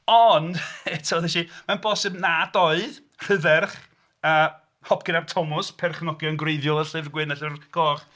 Ond eto wnes i... Mae'n bosib nad oedd Rhydderch a Hopcyn ap Tomos perchnogion gwreiddiol y Llyfr Gwyn a Llyfr Coch...